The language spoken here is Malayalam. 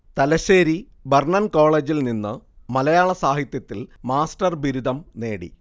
തലശ്ശേരി ബ്രണ്ണൻ കോളേജിൽ നിന്ന് മലയാള സാഹിത്യത്തിൽ മാസ്റ്റർ ബിരുദം നേടി